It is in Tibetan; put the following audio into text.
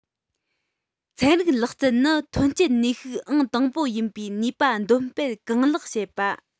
ཚན རིག ལག རྩལ ནི ཐོན སྐྱེད ནུས ཤུགས ཨང དང པོ ཡིན པའི ནུས པ འདོན སྤེལ གང ལེགས བྱེད པ